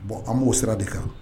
Bon an b'o sira de kan.